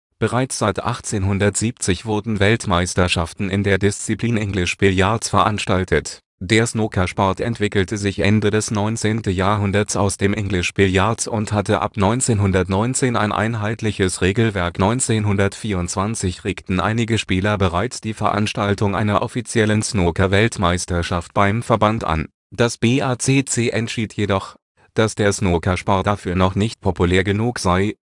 Bereits seit 1870 wurden Weltmeisterschaften in der Disziplin English Billards veranstaltet. Der Snookersport entwickelte sich Ende des 19. Jahrhunderts aus dem English Billards und hatte ab 1919 ein einheitliches Regelwerk. 1924 regten einige Spieler bereits die Veranstaltung einer offiziellen Snookerweltmeisterschaft beim Verband an. Das BACC entschied jedoch, dass der Snookersport dafür noch nicht populär genug sei